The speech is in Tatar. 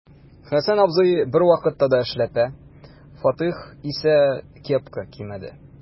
Хәсән абзый бервакытта да эшләпә, Фатих исә кепка кимәде.